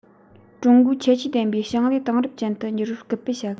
ཀྲུང གོའི ཁྱད ཆོས ལྡན པའི ཞིང ལས དེང རབས ཅན དུ འགྱུར བར སྐུལ སྤེལ བྱ དགོས